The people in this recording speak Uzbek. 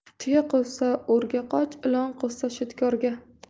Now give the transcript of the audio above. tuya quvsa o'rga qoch ilon quvsa shudgorga